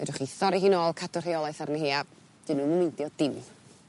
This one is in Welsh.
fedrwch chi thorri hi nôl cadw rheolaeth arni hi a 'dyn nw'm yn meindio dim.